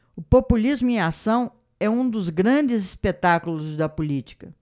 o populismo em ação é um dos grandes espetáculos da política